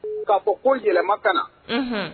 K'a fɔ ko yɛlɛma ka na